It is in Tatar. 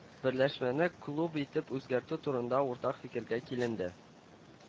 Берләшмәне “клуб” итеп үзгәртү турында уртак фикергә киленде